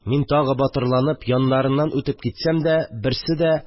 Мин тагы батырланып яннарыннан үтеп китсәм дә, берсе дә